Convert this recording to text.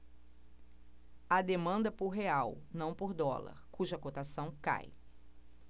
há demanda por real não por dólar cuja cotação cai